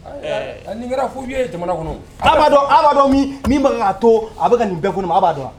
Nin kɛra fo u ye jamana kɔnɔ a b'a dɔn b' dɔn min' to a bɛ ka nin bɛɛ kunun a b'a dɔn wa